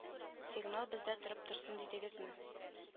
Сигнал бездә торып торсын дидегезме